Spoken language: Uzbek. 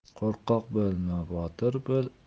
qo'rqoq bo'lma botir bo'l